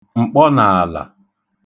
m̀kpọnààla